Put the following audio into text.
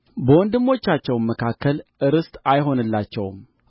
በወንድሞቻቸውም መካከል ርስት አይሆንላቸውም